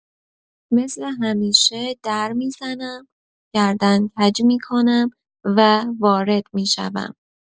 مثل همیشه در می‌زنم، گردن کج می‌کنم و وارد می‌شوم.